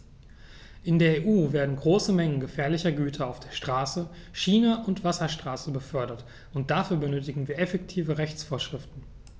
In der EU werden große Mengen gefährlicher Güter auf der Straße, Schiene und Wasserstraße befördert, und dafür benötigen wir effektive Rechtsvorschriften.